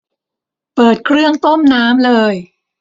เปิดเครื่องต้มน้ำเลย